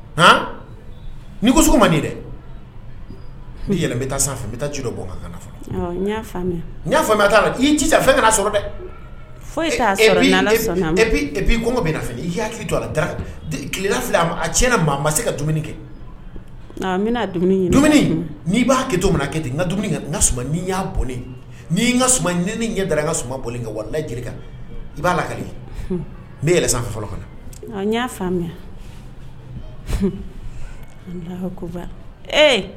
N'i ko ma nin dɛ n bɛ yɛlɛ taa san n bɛ taa kanaa faamuya la i ci fɛn ka sɔrɔ dɛ'i kogɔ bɛ fɛ i y'a hakili to la da tilela a a ti na mɔgɔ ma se ka dumuni kɛ n bɛna dumuni n'i b'a minna kɛ di n ka n ka ni y'a boli n'i n ka suma ɲ da n ka suma boli kɛ wala jerika i b'a lakare n yɛlɛ san fɔlɔ kɔnɔa faamuya ko